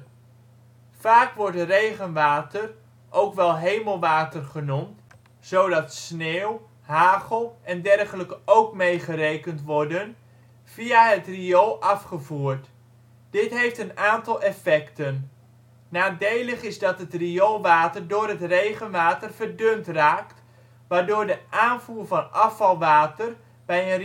Vaak wordt regenwater (ook wel hemelwater genoemd, zodat sneeuw, hagel e.d. ook meegerekend worden) via het riool afgevoerd. Dit heeft een aantal effecten. Nadelig is dat het rioolwater door het regenwater verdund raakt, waardoor de aanvoer van afvalwater bij